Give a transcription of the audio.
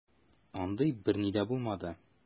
Андый берни дә булмады.